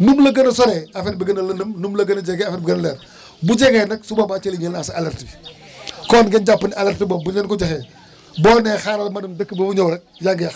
nu mu la gën a soree affaire bi gën a lëndëm nu mu la gën a jexee affaire bi gën a leer bu jegee nag su boobaa ci la ñuy lancer alerte bi kon ngeen jàpp ne alerte boobu bu ñu leen ko joxee boo nee xaaral ma dem dëkk ba ma ñëw nag yaa ngi yàq